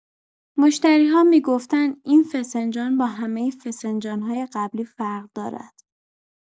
مشتری‌ها می‌گفتند که این فسنجان با همۀ فسنجان‌های قبلی فرق دارد.